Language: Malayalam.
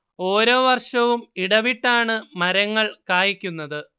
ഓരോ വർഷവും ഇടവിട്ടാണ് മരങ്ങൾ കായ്ക്കുന്നത്